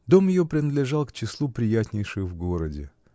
Дом ее принадлежал к числу приятнейших в городе.